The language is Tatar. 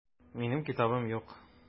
Минем китабым юк.